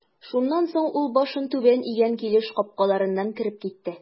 Шуннан соң ул башын түбән игән килеш капкаларыннан кереп китте.